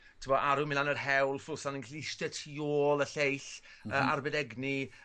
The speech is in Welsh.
t'mod Aru yn myn' lan y rhewl Fuglsang yn gallu eiste tu ôl y lleill a arbed egni